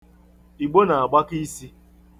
Igbo na-agbaka isi.